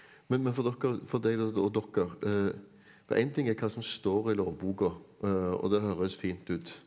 men men for dere for deg da og dere for en ting er hva som står i lovboka og det høres fint ut.